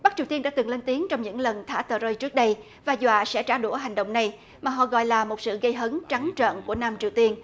bắc triều tiên đã từng lên tiếng trong những lần thả tờ rơi trước đây và dọa sẽ trả đũa hành động này mà họ gọi là một sự gây hấn trắng trợn của nam triều tiên